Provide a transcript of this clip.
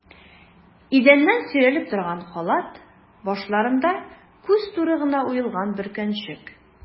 Идәннән сөйрәлеп торган халат, башларында күз туры гына уелган бөркәнчек.